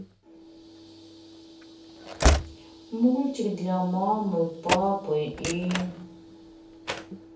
мультик для мамы папы и